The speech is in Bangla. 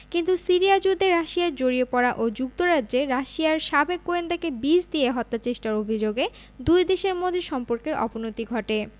কিন্তু সিরিয়া যুদ্ধে রাশিয়ার জড়িয়ে পড়া ও যুক্তরাজ্যে রাশিয়ার সাবেক গোয়েন্দাকে বিষ দিয়ে হত্যাচেষ্টার অভিযোগে দুই দেশের মধ্যে সম্পর্কের অবনতি ঘটে